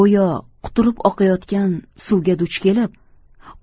go'yo quturib oqayotgan suvga duch kelib